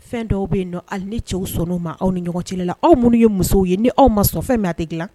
Fɛn dɔw bɛ yen nɔ hali ni cɛw sɔn' ma aw ni ɲɔgɔn ci la aw minnu ye musow ye ni aw ma sɔn fɛn mɛn a tɛ dilan